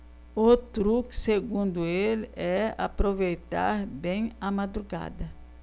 o truque segundo ele é aproveitar bem a madrugada